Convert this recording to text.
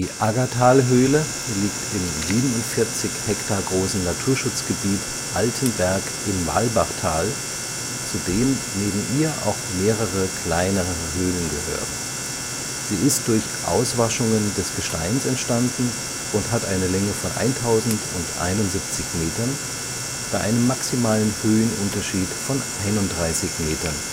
Aggertalhöhle liegt im 47 Hektar großen Naturschutzgebiet Altenberg im Walbachtal, zu dem neben ihr auch mehrere kleinere Höhlen gehören. Sie ist durch Auswaschungen des Gesteins entstanden und hat eine Länge von 1071 Metern, bei einem maximalen Höhenunterschied von 31 Metern